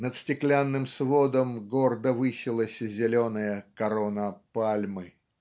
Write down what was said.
"над стеклянным сводом гордо высилась зеленая корона пальмы".